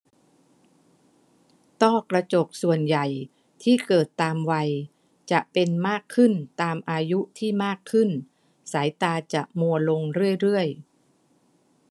ต้อกระจกส่วนใหญ่ที่เกิดตามวัยจะเป็นมากขึ้นตามอายุที่มากขึ้นสายตาจะมัวลงเรื่อยเรื่อย